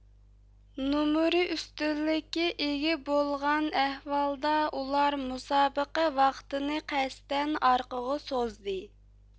نومۇرى ئۈستۈنلۈككە ئىگە بولغان ئەھۋالدا ئۇلار مۇسابىقە ۋاقتىنى قەستەن ئارقىغا سوزدى